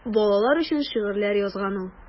Балалар өчен шигырьләр язган ул.